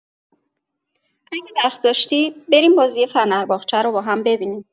اگه وقت داشتی، بریم بازی فنرباغچه رو با هم ببینیم.